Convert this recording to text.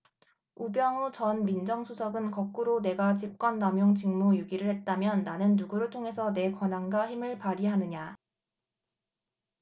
우병우 전 민정수석은 거꾸로 내가 직권남용 직무유기를 했다면 나는 누구를 통해서 내 권한과 힘을 발휘하느냐